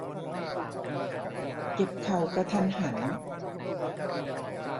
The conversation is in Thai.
เจ็บเข่ากะทันหัน